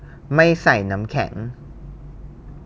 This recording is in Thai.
ไม่ใส่น้ำแข็ง